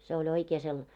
se oli oikein -